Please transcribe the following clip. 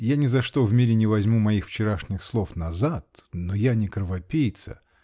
Я ни за что в мире не возьму моих вчера шних слов назад -- но я не кровопийца!.